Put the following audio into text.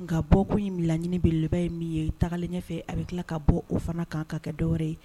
Nga bɔ kun in laɲini belebele ba ye min ye . Tagalen ɲɛfɛ a be kila ka bɔ o fana kan ka kɛ dɔ wɛrɛ ye.